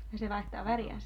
ai se vaihtaa väriänsä